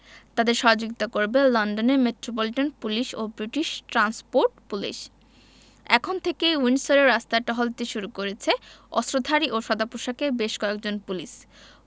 তাঁদের সহযোগিতা করবে লন্ডনের মেট্রোপলিটন পুলিশ ও ব্রিটিশ ট্রান্সপোর্ট পুলিশ এখন থেকেই উইন্ডসরের রাস্তায় টহল দিতে শুরু করেছে অস্ত্রধারী ও সাদাপোশাকের বেশ কয়েকজন পুলিশ